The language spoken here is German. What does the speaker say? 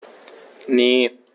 Ne.